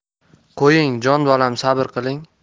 qo'ying jon bolam sabr qiling